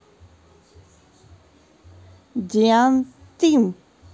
quantum